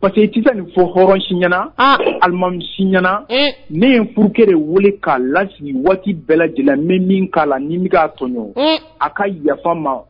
parce que tɛsa nin fɔ hɔrɔn si ɲɛnaanalimami si ɲɛnaana ne ye purqu de wele k'a lasigi waati bɛɛ lajɛlen min min k'a la ni tɔnɲɔ a ka yafa ma